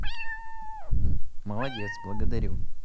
молодец благодарю